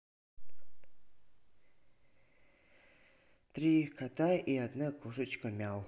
три кота и одна кошечка мяу